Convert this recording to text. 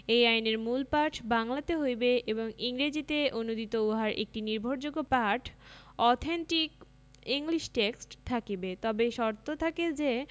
এই আইনের মূল পাঠ বাংলাতে হইবে এবং ইংরেজীতে অনূদিত উহার একটি নির্ভরযোগ্য পাঠ অথেন্টিক ইংলিশ টেক্সট থাকিবে তবে শর্ত থাকে যে